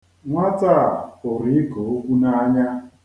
Nwata a hụrụ iko okwu n'anya.